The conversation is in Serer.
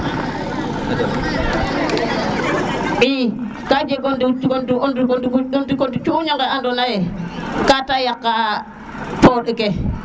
i ka jeg o njik ndiko njutu ge ando na ye ka te yaqa poɗ ke